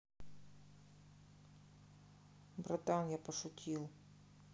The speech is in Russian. братан я пошутил